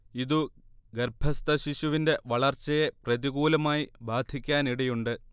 ഇതു ഗർഭസ്ഥശിശുവിന്റെ വളർച്ചയെ പ്രതികൂലമായി ബാധിക്കാനിടയുണ്ട്